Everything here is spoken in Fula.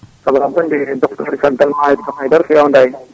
saabu * haydara fewnitaki